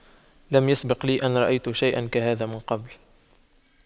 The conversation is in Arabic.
لم يسبق لي أن رأيت شيئا كهذا من قبل